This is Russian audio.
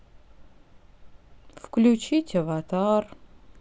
включить аватар